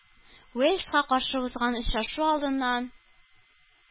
Уэльска каршы узган очрашу алдыннан